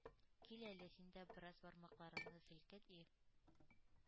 Кил әле, син дә бераз бармакларыңны селкет, и